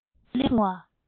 སྔོན དུ གླེང བ